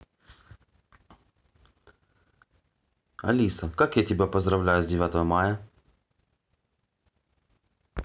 алиса как я тебя поздравляю с девятого мая